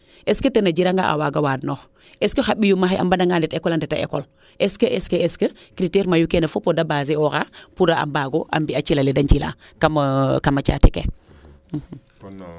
est ce que etn a jiranga a waaga waad noox est que xa ɓiyuma xe mbara nga ndet ecole a ndeta est ce que est ce que critere mayu kaaga fop a baser ooxa pour a mbaago a mbiya cilale de njila kam a caate ke